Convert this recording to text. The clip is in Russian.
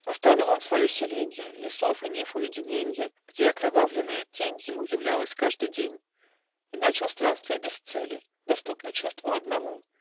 Оставил он свое селенье, Лесов и нив уединенье, Где окровавленная тень Ему являлась каждый день, И начал странствия без цели, Доступный чувству одному